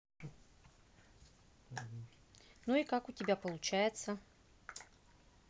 ну и как у тебя получается